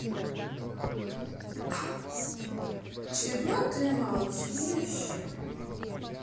чего ты молчишь